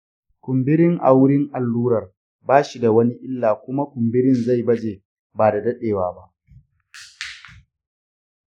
kumbirin a wurin allurar bashi da wani illa kuma kumburin zai baje ba da dadewa ba